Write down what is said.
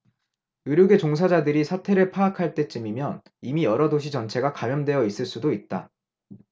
의료계 종사자들이 사태를 파악할 때쯤에는 이미 여러 도시 전체가 감염되어 있을 수도 있다